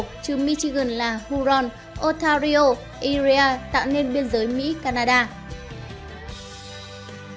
trừ michigan là huron ontario erie tạo nên biên giới mỹ canada